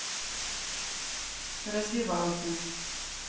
разбивалки